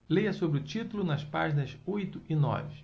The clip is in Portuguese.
leia sobre o título nas páginas oito e nove